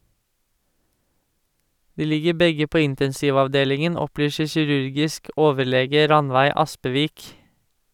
De ligger begge på intensivavdelingen, opplyser kirurgisk overlege Rannveig Aspevik.